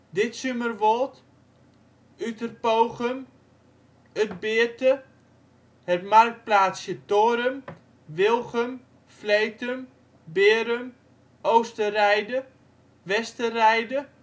Ditzumerwold, Uterpogum, Utbeerte, het marktplaatsje Torum, Wilgum, Fletum, Berum, Oosterreide, Westerreide